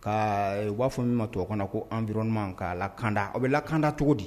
Ka u ba fɔ min ma tubabukan na ko environment ka lakanda a bi lakanda cogo di?